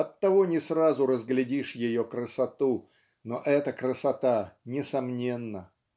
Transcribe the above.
оттого не сразу разглядишь ее красоту но эта красота несомненна.